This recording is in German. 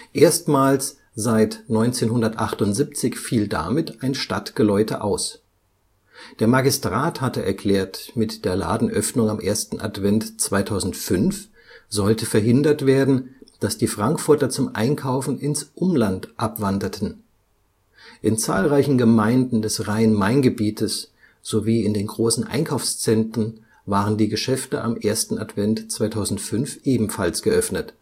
Erstmals seit 1978 fiel damit ein Stadtgeläute aus. Der Magistrat hatte erklärt, mit der Ladenöffnung am Ersten Advent 2005 sollte verhindert werden, dass die Frankfurter zum Einkaufen ins Umland abwanderten. In zahlreichen Gemeinden des Rhein-Main-Gebietes sowie in den großen Einkaufszentren waren die Geschäfte am Ersten Advent 2005 ebenfalls geöffnet